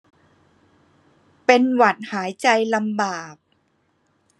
เป็นหวัดหายใจลำบาก